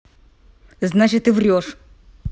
значит ты врешь